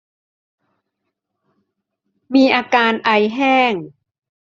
มีอาการไอแห้ง